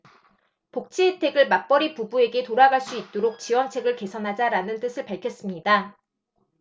복지혜택을 맞벌이 부부에게 돌아갈 수 있도록 지원책을 개선하자 라는 뜻을 밝혔습니다